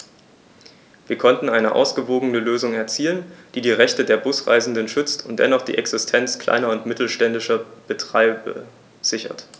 Wir konnten eine ausgewogene Lösung erzielen, die die Rechte der Busreisenden schützt und dennoch die Existenz kleiner und mittelständischer Betreiber sichert.